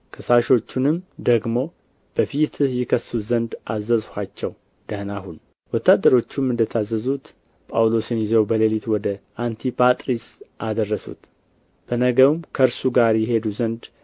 ከሳሾቹንም ደግሞ በፊትህ ይከሱት ዘንድ አዘዝኋቸው ደኅና ሁን ወታደሮቹም እንደ ታዘዙት ጳውሎስን ይዘው በሌሊት ወደ አንቲጳጥሪስ አደረሱት በነገውም ከእርሱ ጋር ይሄዱ ዘንድ